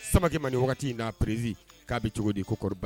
Samake ma ni waati in na prési k'a bɛ cogo di ko, ko kɔnni